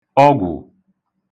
ọgwụ̀